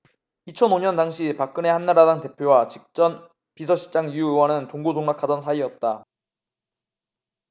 이천 오 년 당시 박근혜 한나라당 대표와 직전 비서실장 유 의원은 동고동락하던 사이었다